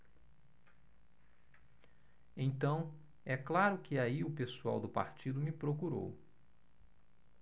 então é claro que aí o pessoal do partido me procurou